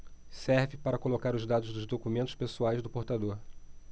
serve para colocar os dados dos documentos pessoais do portador